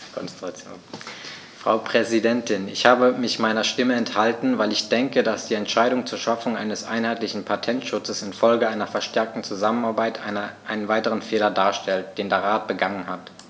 Frau Präsidentin, ich habe mich meiner Stimme enthalten, weil ich denke, dass die Entscheidung zur Schaffung eines einheitlichen Patentschutzes in Folge einer verstärkten Zusammenarbeit einen weiteren Fehler darstellt, den der Rat begangen hat.